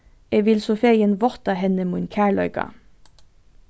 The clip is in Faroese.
eg vil so fegin vátta henni mín kærleika